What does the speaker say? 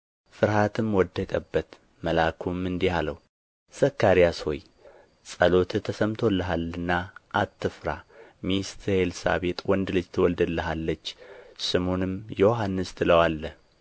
ፍርሃትም ወደቀበት መልአኩም እንዲህ አለው ዘካርያስ ሆይ ጸሎትህ ተሰምቶልሃልና አትፍራ ሚስትህ ኤልሳቤጥም ወንድ ልጅ ትወልድልሃለች ስሙንም ዮሐንስ ትለዋለህ